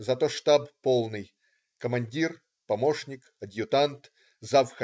Зато штаб полный: командир, помощник, адъютант, зав.